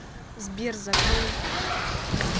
сбер закрой